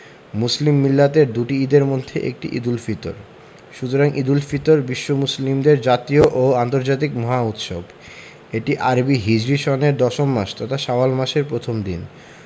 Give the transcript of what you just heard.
মুসলিম মিল্লাতের দুটি ঈদের একটি ঈদুল ফিতর সুতরাং ঈদুল ফিতর বিশ্ব মুসলিমের জাতীয় ও আন্তর্জাতিক মহা উৎসব এটি আরবি হিজরি সনের দশম মাস তথা শাওয়াল মাসের প্রথম দিন